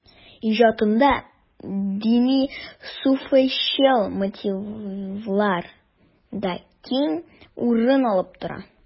Иҗатында дини-суфыйчыл мотивлар да киң урын алып тора.